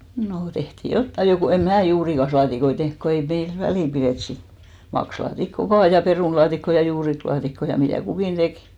no tehtiin jotakin jo kun en minä juurikaslaatikoita tehnyt kun ei meillä väliä pidetty sitten maksalaatikkoa vain perunalaatikkoa ja juurikaslaatikkoa ja mitä kukin teki